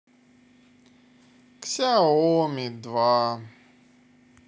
ксяоми два